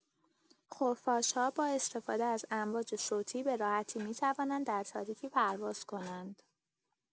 خفاش‌ها با استفاده از امواج صوتی به راحتی می‌توانند در تاریکی پرواز کنند.